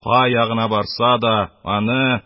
Кая гына барса да, аны: